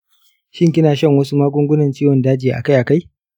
shin kina shan wasu magungunan ciwon daj akai-akai?